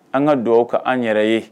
An ka duwawu kɛ an yɛrɛ ye.